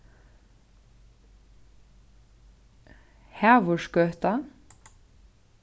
havursgøta